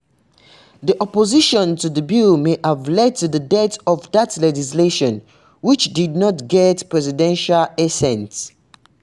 The opposition to the bill may have led to the death of that legislation — which did not get presidential assent.